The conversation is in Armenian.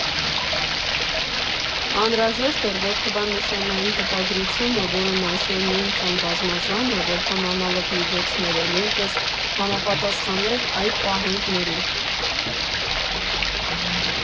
Անհրաժեշտ էր, որ թվանշանային տպագրությունը, որն այսօր նույնքան բազմազան է, որքան անալոգ միջոցները, նույնպես համապատասխաներ այդ պահանջներին։